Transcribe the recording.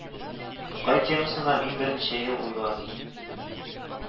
Тукай темасына мин берничә ел уйладым